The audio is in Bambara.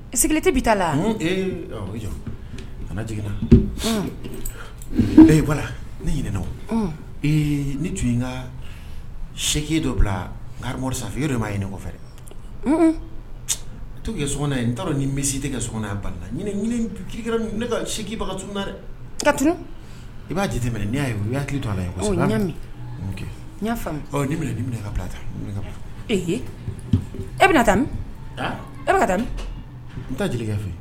Sigilen tɛ bɛ taa la kana jiginna bɛɛ ba la ne ɲin ne tun ka sɛ dɔ bilamo sa e dɔ de b'a ye ne fɛ to kɛ so ye n taara nin misi tɛ kɛ so bali sigibaga kat i b'a jate tɛmɛ n'i'a ye o' hakili t' a ye minɛ ka bila ta ee e bɛ ta e'a taa n taa jelikɛ fɛ